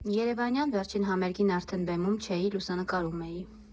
Երևանյան վերջին համերգին արդեն բեմում չէի, լուսանկարում էի։